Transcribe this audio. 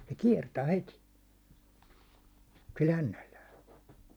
se kiertää heti sillä hännällään